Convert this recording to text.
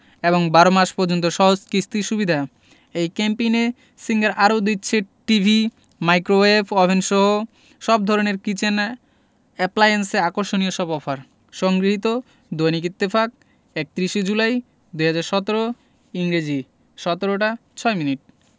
এবং ১২ মাস পর্যন্ত সহজ কিস্তি সুবিধা এই ক্যাম্পেইনে সিঙ্গার আরো দিচ্ছে টিভি মাইক্রোওয়েভ অভেনসহ সব ধরনের কিচেন অ্যাপ্লায়েন্সে আকর্ষণীয় সব অফার সংগৃহীত দৈনিক ইত্তেফাক ৩১ শে জুলাই ২০১৭ ইংরেজি ১৭ টা ৬ মিনিট